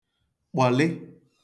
kpọ̀lị